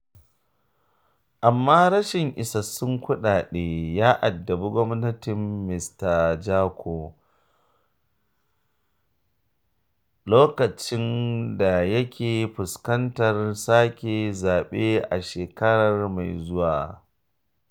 Amma rashin isassun kuɗaɗe ya addabi gwamnatin Mista Joko a loƙacin da yake fuskantar sake zaɓe a shekara mai zuwa.